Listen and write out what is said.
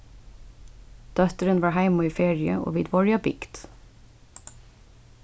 dóttirin var heima í feriu og vit vóru á bygd